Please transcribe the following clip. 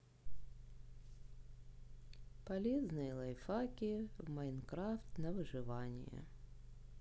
полезные лайфхаки в майнкрафт на выживание